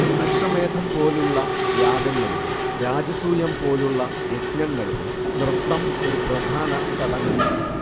അശ്വമേധം പോലുള്ള യാഗങ്ങളിലും രാജസൂയം പോലുള്ള യജ്ഞങ്ങളിലും നൃത്തം ഒരു പ്രധാന ചടങ്ങായിരുന്നു